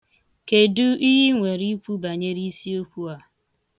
Kedụ ihe ị nwere ikwu banyere isiokwu a ?